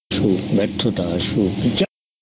আসুক ব্যর্থতা আসুক যা